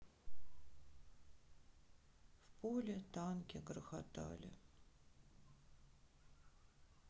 в поле танки грохотали